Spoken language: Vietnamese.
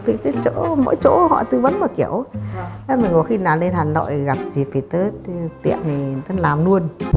mỗi chỗ họ tư vấn một kiểu thế mình bảo khi nào lên hà nội gặp dịp tiện thì tớ làm luôn